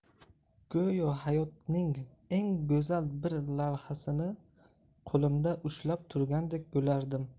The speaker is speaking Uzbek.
go'yo hayotning eng go'zal bir lavhasini qo'limda ushlab turgandek bo'lardim